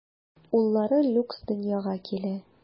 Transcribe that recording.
Уллары Люкс дөньяга килә.